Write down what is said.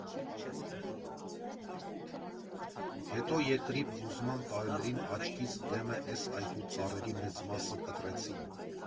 Հետո երկրի փլուզման տարիներին աչքիս դեմը էս այգու ծառերի մեծ մասը կտրեցին։